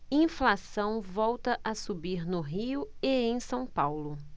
inflação volta a subir no rio e em são paulo